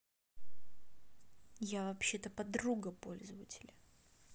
я вообще то подруга пользователя